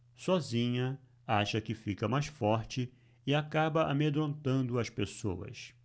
sozinha acha que fica mais forte e acaba amedrontando as pessoas